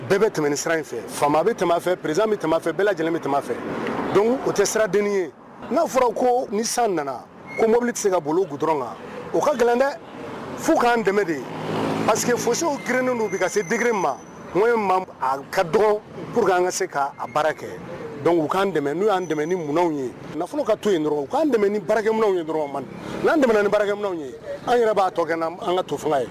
Bɛɛ bɛ tɛmɛ sira in fɛ faama bɛ fɛ perez bɛ fɛ bɛɛ lajɛlen bɛ fɛ o tɛ siraden ye n'a fɔra ko ni san nana ko mɔbili tɛ se ka bolo dɔrɔn kan u ka gɛlɛn dɛ fo k'an dɛmɛ de ye parce que fosiw girinnen bi ka se digi ma n ye ka kuru an ka se k' baara kɛ dɔnku u'an dɛmɛ n'u yan dɛmɛ ni minnuanw ye nafolo ka to dɔrɔn'an ni bara dɔrɔn man'an tɛm ni bara minnuw ye an yɛrɛ b'a tɔ na an ka to fanga ye